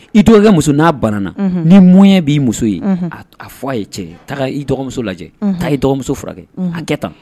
I dɔgɔkɛ muso n'a banana unhun ni moyen b'i muso ye unhun a t a fɔ a ye cɛ tagaa i dɔgɔmuso lajɛ unhun taa i dɔgɔmuso furakɛ unhun a kɛ tan